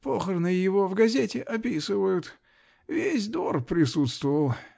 Похороны его в газете описывают. Весь двор присутствовал.